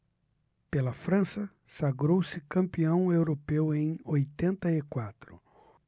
pela frança sagrou-se campeão europeu em oitenta e quatro